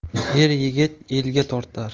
er yigit elga tortar